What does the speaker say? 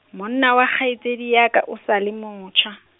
monna wa kgaitsedi ya ka o sa le motjha.